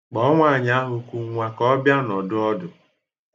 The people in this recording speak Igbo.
Kpọọ nwaanyị ahụ ku nwa ka ọ bịa nọdụ ọdụ.